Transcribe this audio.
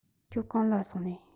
ཁྱོད གང ལ སོང ནས